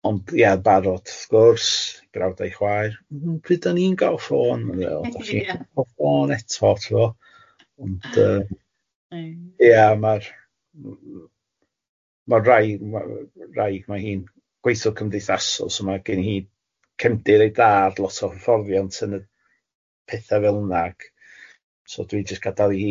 Ond ie barod wrth gwrs, glawdau chwaer, m-hm pryd dan ni'n gal ffôn, dach chi'n cal ffôn eto tibod, ond yy ie ma'r ma rai, ma' wraig mae hi'n gweithiwr cymdeithasol so ma' gen hi cefndir rei da, lot o hyfforddiant yn y petha fel yna ac so dwi jyst gadael i hi.